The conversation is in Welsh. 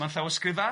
...mewn llawysgrifa.